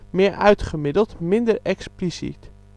meer uitgemiddeld, minder expliciet